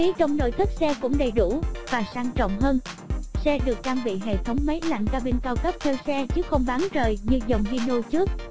phía trong nội thất xe cũng đầy đủ và sang trọng hơn xe được trang bị hệ thống máy lạnh cabin cao cấp theo xe chứ không bán rời như dòng hino trước